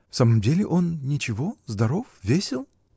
В самом деле он -- ничего, здоров, весел?